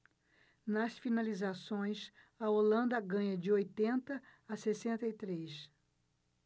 nas finalizações a holanda ganha de oitenta a sessenta e três